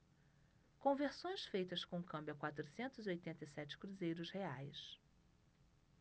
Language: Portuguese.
conversões feitas com câmbio a quatrocentos e oitenta e sete cruzeiros reais